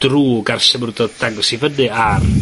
drwg ar su' ma' nw do- dangos i fyny ar...